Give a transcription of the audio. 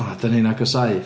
O dan ni'n agosáu.